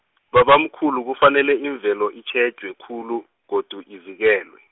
babamkhulu kufanele imvelo itjhejwe khulu, godu ivikelwe.